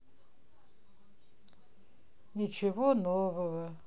ничего нового